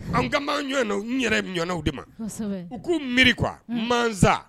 An kan b'an ɲɔɔnaw n yɛrɛ ɲɔɔnaw de ma, u k'u miiri quoi mansa